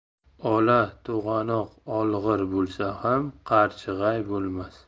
ola to'g'anoq olg'ir bo'lsa ham qarchig'ay bo'lmas